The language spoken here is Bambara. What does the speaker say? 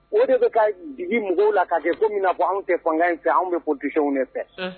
O de bɛ ka jigi mɔgɔw la k'a kɛ ko min na anw tɛ fɔkan in fɛ anw bɛ ko disiw de fɛ